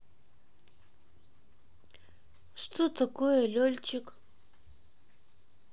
что такое лельчик